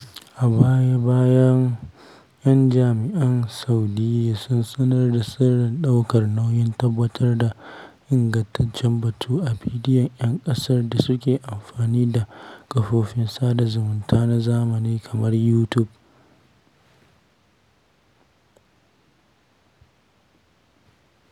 A baya-bayan nan jami'an Saudiyya sun sanar da shirin ɗaukar nauyin tabbatar da ''ingantaccen batu'' a bidiyoyin 'yan ƙasar da suke amfani da kafofin sada zumunta na zamani kamar YouTube.